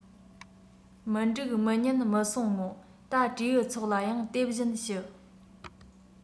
མི འགྲིག མི ཉན མི གསུང ངོ ད སྤྲེལ ཚོགས ལ ཡང དེ བཞིན ཞུ